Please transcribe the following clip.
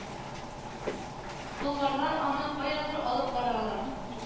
Болгарлар аны каядыр алып баралар